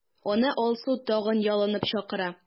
Аны Алсу тагын ялынып чакыра.